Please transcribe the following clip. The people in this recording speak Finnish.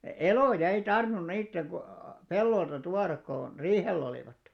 eloja ei tarvinnut niiden kun pellolta tuoda kun riihellä olivat